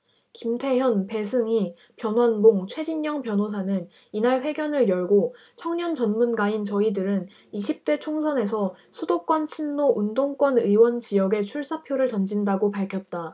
김태현 배승희 변환봉 최진녕 변호사는 이날 회견을 열고 청년 전문가인 저희들은 이십 대 총선에서 수도권 친노 운동권 의원 지역에 출사표를 던진다고 밝혔다